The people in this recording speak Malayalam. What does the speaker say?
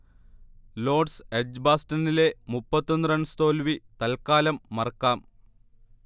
ലോർഡ്സ് എജ്ബാസ്റ്റനിലെ മുപ്പത്തി ഒന്ന് റൺസ് തോൽവി തൽക്കാലം മറക്കാം